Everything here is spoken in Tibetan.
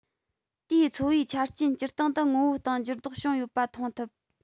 དེའི འཚོ བའི ཆ རྐྱེན སྤྱིར བཏང དུ ངོ བོའི སྟེང འགྱུར ལྡོག བྱུང ཡོད པ མཐོང ཐུབ